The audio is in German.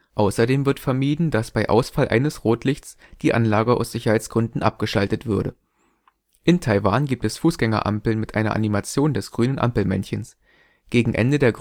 Außerdem wird vermieden, dass bei Ausfall eines Rotlichts die Anlage aus Sicherheitsgründen abgeschaltet würde. In Taiwan gibt es Fußgängerampeln mit einer Animation des grünen Ampelmännchens. Gegen Ende der